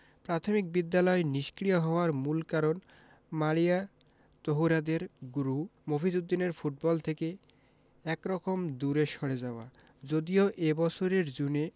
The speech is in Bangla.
প্রাথমিক বিদ্যালয় নিষ্ক্রিয় হওয়ার মূল কারণ মারিয়া তহুরাদের গুরু মফিজ উদ্দিনের ফুটবল থেকে একরকম দূরে সরে যাওয়া যদিও এ বছরের জুনে